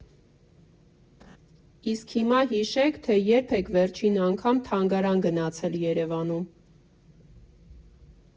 Իսկ հիմա հիշեք, թե երբ եք վերջին անգամ թանգարան գնացել Երևանում։